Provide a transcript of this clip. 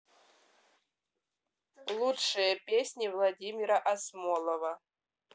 лучшие песни владимира асмолова